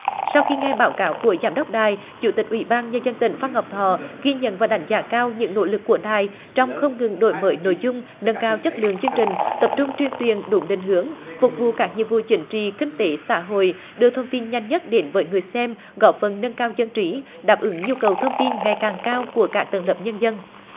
sau khi nghe báo cáo của giám đốc đài chủ tịch ủy ban nhân dân tỉnh phan ngọc thọ ghi nhận và đánh giá cao những nỗ lực của đài trong không ngừng đổi mới nội dung nâng cao chất lượng chương trình tập trung tuyên tuyền đúng định hướng phục vụ các nhiệm vụ chính trị kinh tế xã hội đưa thông tin nhanh nhất đến với người xem góp phần nâng cao dân trí đáp ứng nhu cầu thông tin ngày càng cao của các tầng lớp nhân dân